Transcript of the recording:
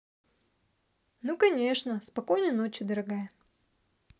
ну конечно спокойной ночи дорогая